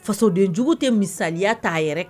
Fasodenjugu tɛ misaliya t'a yɛrɛ